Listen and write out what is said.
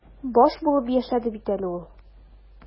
Баш булып яшәде бит әле ул.